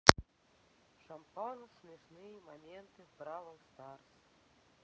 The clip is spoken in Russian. шампанов смешные моменты в бравл старс